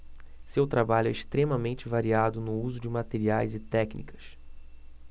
seu trabalho é extremamente variado no uso de materiais e técnicas